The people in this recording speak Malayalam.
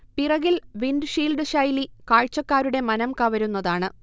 പിറകിൽ വിൻഡ് ഷീൽഡ് ശൈലി കാഴ്ച്ചക്കാരുടെ മനംകവരുന്നതാണ്